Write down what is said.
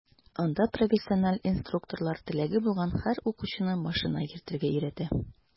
Анда профессиональ инструкторлар теләге булган һәр укучыны машина йөртергә өйрәтә.